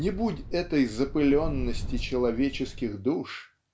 Не будь этой запыленности человеческих душ